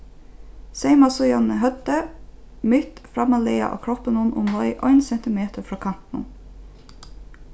seyma síðan høvdið mitt frammarlaga á kroppinum umleið ein sentimetur frá kantinum